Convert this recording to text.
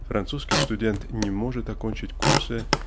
Французский студент не может окончить курса